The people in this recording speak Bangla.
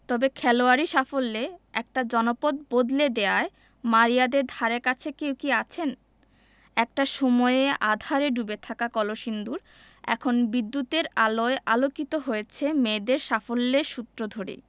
তবে খেলোয়াড়ি সাফল্যে একটা জনপদ বদলে দেওয়ায় মারিয়াদের ধারেকাছে কেউ কি আছেন একটা সময়ে আঁধারে ডুবে থাকা কলসিন্দুর এখন বিদ্যুতের আলোয় আলোকিত হয়েছে মেয়েদের সাফল্যের সূত্র ধরেই